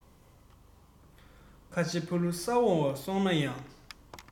ཁ ཆེ ཕ ལུ ས འོག སོང ན ཡང